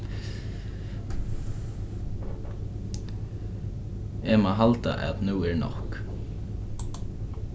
eg haldi at nú er nokk